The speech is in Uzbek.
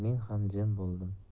men ham jim bo'ldim